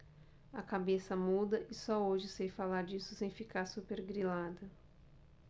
a cabeça muda e só hoje sei falar disso sem ficar supergrilada